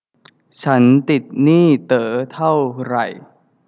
ฉันติดหนี้เต๋อเท่าไร